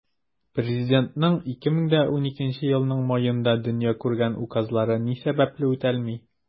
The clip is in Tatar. Президентның 2012 елның маенда дөнья күргән указлары ни сәбәпле үтәлми?